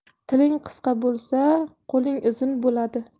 tiling qisqa bo'lsa qo'ling uzun bo'ladi